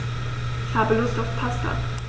Ich habe Lust auf Pasta.